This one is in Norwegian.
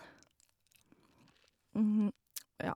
Ja.